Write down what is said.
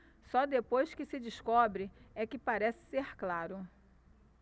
só depois que se descobre é que parece ser claro